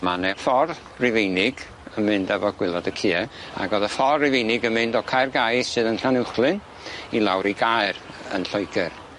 Ma' 'ne ffor Rufeinig yn mynd efo gwylod y cïe ag o'dd y ffor Rufeinig yn mynd o Caer Gai sydd yn Llanywchlyn i lawr i Gaer yn Lloegyr.